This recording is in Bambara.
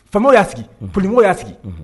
Faama y'a sigi pmo y'a sigi